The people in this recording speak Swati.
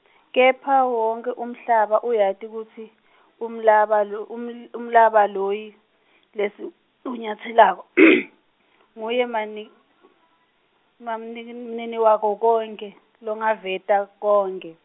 kepha wonkhe umhlaba uyati kutsi, umhlaba lo, um- umhlaba loyi, lesiwunyatselako , nguye mani- maninin- -namniniwako konkhe longaveta konkhe.